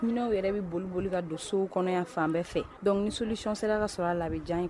Minw yɛrɛ bɛ boli boli ka don so kɔnɔya fan bɛɛ fɛ don selilicon sera ka sɔrɔ a labɛnbijan in